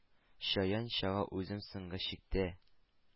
Чаян чага үзен соңгы чиктә,